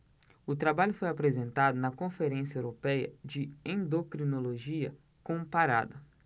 o trabalho foi apresentado na conferência européia de endocrinologia comparada